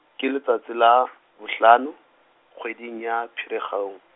ke letsatsi la , bohlano, kgweding ya Pherekgong.